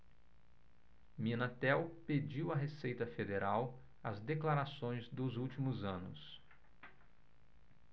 minatel pediu à receita federal as declarações dos últimos anos